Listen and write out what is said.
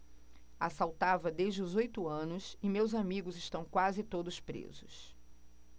assaltava desde os oito anos e meus amigos estão quase todos presos